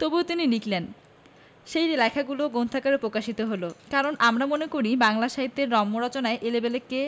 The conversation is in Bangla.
তবু তিনি লিখলেন সেই লেখাগুলি গ্রন্থাকারে প্রকাশিত হল কারণ আমরা মনে করি বাংলা সাহিত্যের রম্য রচনায় এলেবেলে' কে